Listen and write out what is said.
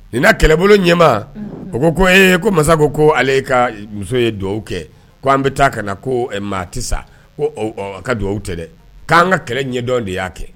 Nin na kɛlɛbolo ɲɛma u ko ko ee ko masa ko ko ale ka muso ye dugawu kɛ k ko an bɛ taa ka ko maa tɛ sa ko ka dugawu tɛ dɛ k'an ka kɛlɛ ɲɛdɔn de y'a kɛ